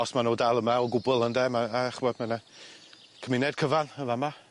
Os ma' nw dal yma o gwbwl ynde ma' a ch'mod ma' 'na cymuned cyfan yn fa' 'ma.